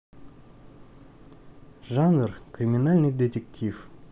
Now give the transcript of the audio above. жанр криминальный детектив